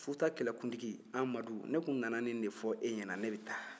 futa kɛlɛkuntigi amadu ne tun nana nin de fɔ e ɲɛ na ne bɛ taa